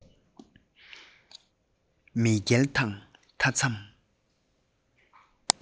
མེས རྒྱལ དང མཐའ མཚམས